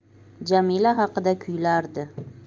jamila haqida kuylardi